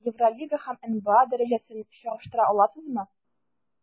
Евролига һәм НБА дәрәҗәсен чагыштыра аласызмы?